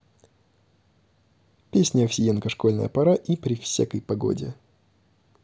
песня овсиенко школьная пора и при всякой погоде